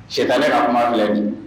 Sitanɛ ka kuma filɛ ni